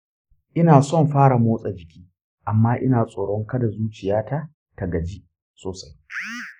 ina son fara motsa jiki amma ina tsoron kada zuciyata ta gaji sosai.